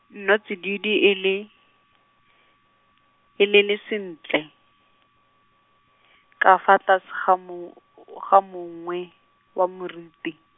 nnotsididi e le, e le le sentle, ka fa tlase ga mo- , ga mongwe, wa meriti.